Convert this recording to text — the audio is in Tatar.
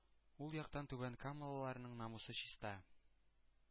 Ул яктан түбәнкамалыларның намусы чиста,